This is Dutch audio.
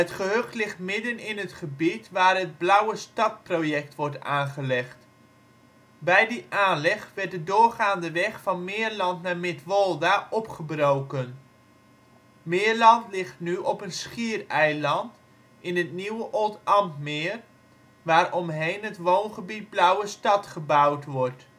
gehucht ligt midden in het gebied waar het Blauwestad-project wordt aangelegd. Bij die aanleg werd de doorgaande weg van Meerland naar Midwolda opgebroken. Meerland ligt nu op een schiereiland in het nieuwe Oldambtmeer, waar omheen het woongebied Blauwestad gebouwd wordt